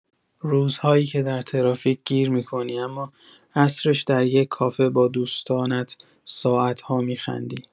روزهایی که در ترافیک گیر می‌کنی، اما عصرش در یک کافه با دوستانت ساعت‌ها می‌خندی.